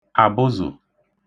àbụzụ̀